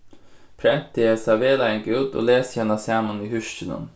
prentið hesa vegleiðing út og lesið hana saman í húskinum